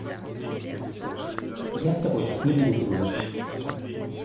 я с тобой так не будут дружить